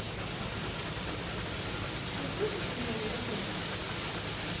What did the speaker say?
ты слышишь меня или нет